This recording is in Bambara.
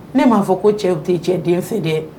Ne m'a fɔ ko cɛw tɛ cɛ den fɛ dɛ